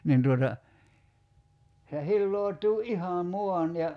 niin tuota se hilautuu ihan maan ja